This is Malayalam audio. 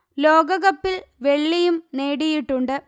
ലോകകപ്പിൽ വെള്ളിയും നേടിയിട്ടുണ്ട്